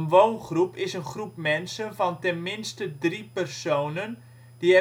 woongroep is een groep mensen van ten minste drie personen die